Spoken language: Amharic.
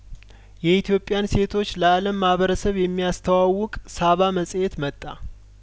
የኢትዮጵያን ሴቶች ለአለም ማህበረሰብ የሚያስተዋውቅ ሳባ መጽሄት መጣ